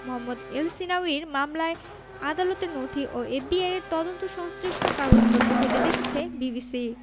মোহাম্মদ এলসহিনাউয়ির মামলায় আদালতের নথি ও এফবিআইয়ের তদন্ত সংশ্লিষ্ট কাগজপত্র ঘেঁটে দেখেছে বিবিসি